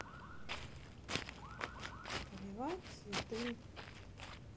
поливать цветы